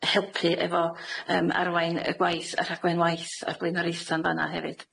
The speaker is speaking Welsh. helpu efo yym arwain y gwaith, y rhaglen waith a'r blaenoriaetha' yn fan'na hefyd.